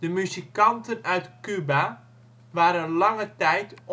muzikanten uit Cuba waren lange tijd